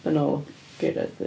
Yn ôl geiriadur.